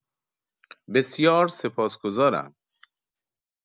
بسیار سپاسگذارم